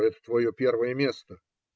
- Это твое первое место?